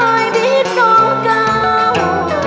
biết non cao